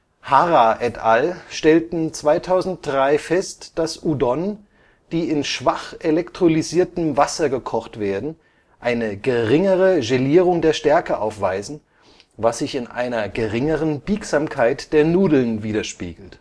Hara et al. stellten 2003 fest, dass Udon, die in schwach elektrolysiertem Wasser gekocht werden, eine geringere Gelierung der Stärke aufweisen, was sich in einer geringeren Biegsamkeit der Nudeln widerspiegelt